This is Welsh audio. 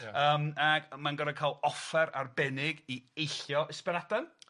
Ia. Yym ac ma'n gorod ca'l offer arbennig i eillio Ysbaddadan.